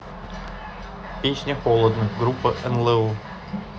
песня холодно группа нло